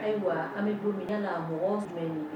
Ayiwa an bɛ a mɔgɔ jumɛn